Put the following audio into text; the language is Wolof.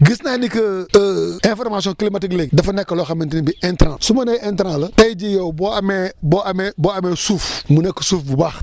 gis naa ni que information climatique léegi dafa nekk loo xamante ne bii intrant su ma nee intrant la tey jii yow boo amee boo amee boo amee suuf mu nekk suuf bu baax